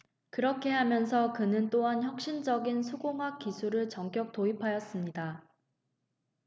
그렇게 하면서 그는 또한 혁신적인 수공학 기술을 전격 도입하였습니다